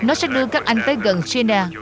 nó sẽ đưa các anh tới gần xia na